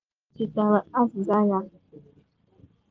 “Ịchetara azịza ya?